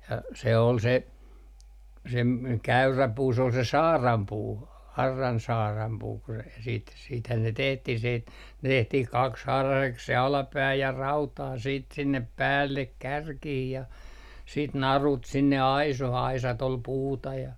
ja se oli se se - käyrä puu se oli se saarainpuu auran saarainpuu kun se sitten siitähän ne tehtiin sitten tehtiin kaksihaaraiseksi se alapää ja rautaa sitten sinne päälle kärkiin ja sitten narut sinne aisoihin aisat oli puuta ja